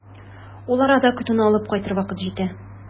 Ул арада көтүне алып кайтыр вакыт җитә.